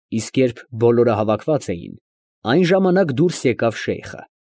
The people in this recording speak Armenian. Իսկ երբ բոլորը հավաքված էին, այն ժամանակ դուրս եկավ Շեյխը։